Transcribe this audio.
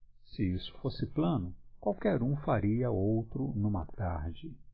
se isso fosse plano qualquer um faria outro numa tarde